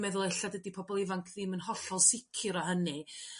meddwl ella dydi pobol ifanc ddim yn hollol sicr o hynny